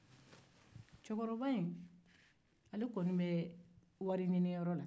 cɛkɔrɔba in kɔni bɛ wajiniyɔrɔ la